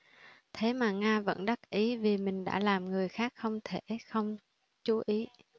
thế mà nga vẫn đắc ý vì mình đã làm người khác không thể không chú ý